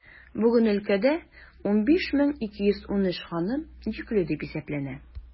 Бүген өлкәдә 15213 ханым йөкле дип исәпләнә.